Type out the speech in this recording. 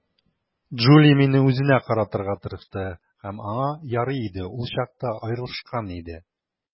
Джули мине үзенә каратырга тырышты, һәм аңа ярый иде - ул чакта аерылышкан иде.